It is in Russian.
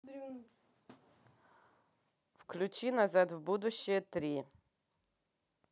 включи назад в будущее три